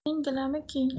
yozning gilami keng